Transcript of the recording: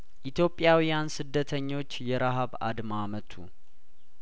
ኢትዮጵያውያን ስደተኞች የረሀብ አድማ መቱ